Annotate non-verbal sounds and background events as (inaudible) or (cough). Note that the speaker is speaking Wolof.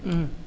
(hesitation)